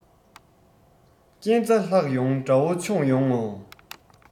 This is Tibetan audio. རྐྱེན རྩ ལྷག ཡོང དགྲ བོ མཆོངས ཡོང ངོ